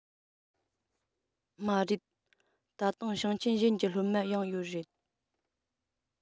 མ རེད ད དུང ཞིང ཆེན གཞན གྱི སློབ མ ཡང ཡོད རེད